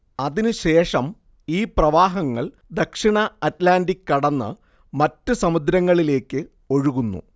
അതിനുശേഷം ഈ പ്രവാഹങ്ങൾ ദക്ഷിണ അറ്റ്ലാന്റിക് കടന്ന് മറ്റു സമുദ്രങ്ങളിലേക്ക് ഒഴുകുന്നു